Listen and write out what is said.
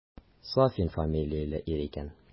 Сафин фамилияле ир икән.